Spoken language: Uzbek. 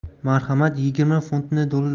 marhamat yigirma funtni